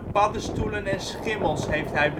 paddenstoelen en schimmels heeft hij